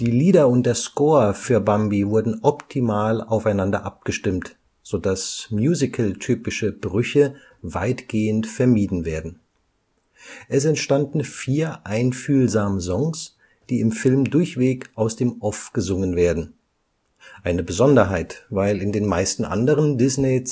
Lieder und der Score für Bambi wurden optimal aufeinander abgestimmt, sodass musicaltypische Brüche weitgehend vermieden werden. Es entstanden vier einfühlsame Songs, die im Film durchweg aus dem Off gesungen werden – eine Besonderheit, weil in den meisten anderen Disney-Zeichentrickfilmen